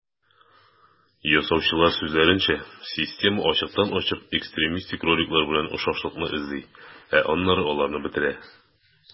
Ясаучылар сүзләренчә, система ачыктан-ачык экстремистик роликлар белән охшашлыкны эзли, ә аннары аларны бетерә.